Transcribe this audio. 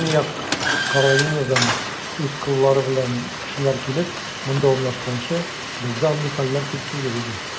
Көньяк Каролинадан үз коллары белән кешеләр килеп, монда урнашканчы, бездә андый хәлләр күп түгел иде.